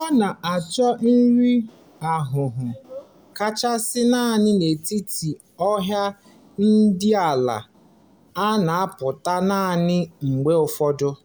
Ọ na-achọ nri ahụhụ ọkachasị n'ala n'etiti ọhịa ndị dị ala, na-apụta naanị mgbe ụfọdụ.